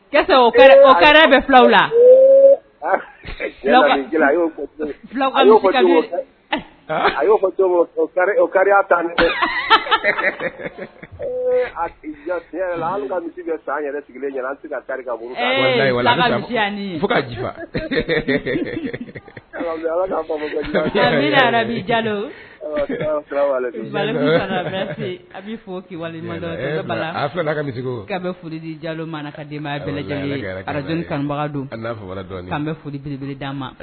Bɛ fila lafa a bɛ fɔdi jalo mana ka denbayajbaga bɛb d di a ma